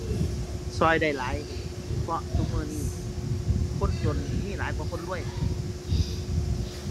ช่วยได้หลาย เพราะทุกมื้อนี้คนจนมีหลายกว่าคนรวย